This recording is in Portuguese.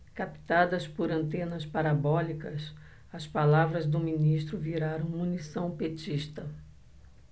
captadas por antenas parabólicas as palavras do ministro viraram munição petista